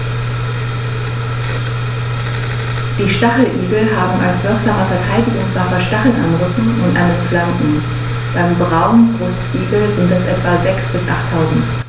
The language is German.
Die Stacheligel haben als wirksame Verteidigungswaffe Stacheln am Rücken und an den Flanken (beim Braunbrustigel sind es etwa sechs- bis achttausend).